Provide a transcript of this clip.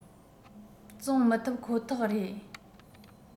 བཙོང མི ཐུབ ཁོ ཐག རེད